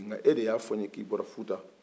e de y'a fɔ n ye k'i bɔra futa